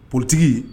Politique